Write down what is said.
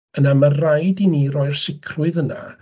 Yna ma' raid i ni roi'r sicrwydd yna.